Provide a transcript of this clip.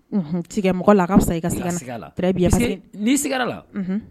Tigɛ mɔgɔ la' fisa i ka la ni la